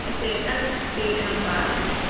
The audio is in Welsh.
felly daliwch ati i rando ar hynny.